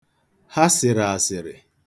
Ha sịrị asịrị.